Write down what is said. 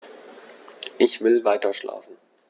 Ich will weiterschlafen.